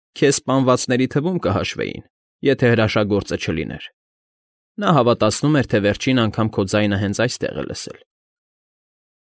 Քեզ սպանվածների թվում կհաշվեին, եթե հրաշագործը չլիներ. նա հավատացնում էր, թե վերջին անգամ քո ձայնը հենց այստեղ է լսել։